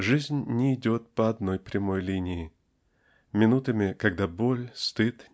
Жизнь не идет по одной прямой линии. Минутами когда боль стыд